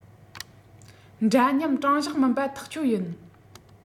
འདྲ མཉམ དྲང གཞག མིན པ ཐག ཆོད ཡིན